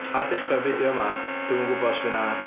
Ar dechrau'r fideo yma, dwi'm yn gwbod os fydd na...